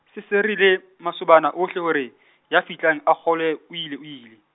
se sirile masobana ohle hore, ya fihlang, a kgolwe, o ile o ile.